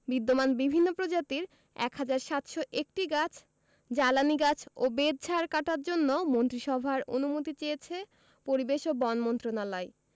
বিদ্যমান বিভিন্ন প্রজাতির ১ হাজার ৭০১টি গাছ জ্বালানি গাছ ও বেতঝাড় কাটার জন্য মন্ত্রিসভার অনুমতি চেয়েছে পরিবেশ ও বন মন্ত্রণালয়